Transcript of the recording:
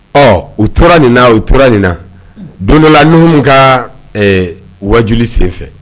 Ɔ u tora nin na u tora nin na don dɔ la n ka wadu sen fɛ